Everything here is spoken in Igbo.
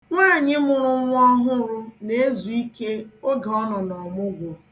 Nwaanyị mụrụ nwa ọhụrụ na-ezu ike oge ọ nọ ọmụgwọ.